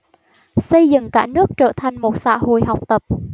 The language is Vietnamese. xây dựng cả nước trở thành một xã hội học tập